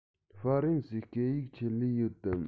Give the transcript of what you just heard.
ཧྥ རན སིའི སྐད ཡིག ཆེད ལས ཡོད དམ